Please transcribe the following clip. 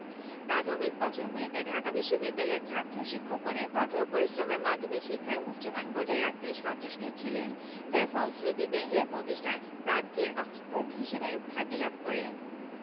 প্রাথমিক বছরগুলিতে ঢাকা বিশ্ববিদ্যালয়ের ছাত্র শিক্ষকগণ কঠোর পরিশ্রমের মাধ্যমে শিক্ষার উচ্চমান বজায় রাখতে সচেষ্ট ছিলেন যার ফলশ্রুতিতে এ প্রতিষ্ঠান প্রাচ্যের অক্সফোর্ড হিসেবে খ্যাতি লাভ করে